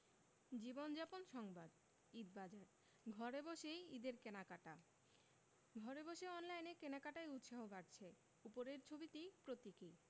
জীবনযাপন সংবাদ ঈদবাজার ঘরে বসেই ঈদের কেনাকাটা ঘরে বসে অনলাইনে কেনাকাটায় উৎসাহ বাড়ছে উপরের ছবিটি প্রতীকী